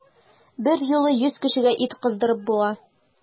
Берьюлы йөз кешегә ит кыздырып була!